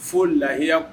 Fo lahiya